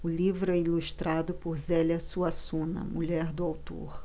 o livro é ilustrado por zélia suassuna mulher do autor